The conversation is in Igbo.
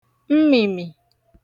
mmị̀mị̀